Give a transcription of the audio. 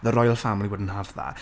The Royal Family wouldn't have that.